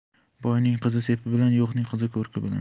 boyning qizi sepi bilan yo'qning qizi ko'rki bilan